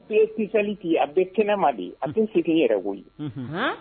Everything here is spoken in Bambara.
Sisaliti a bɛ kɛnɛ ma de a bɛ se yɛrɛwo ye